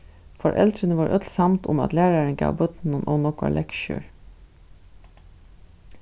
foreldrini vóru øll samd um at lærarin gav børnunum ov nógvar lektiur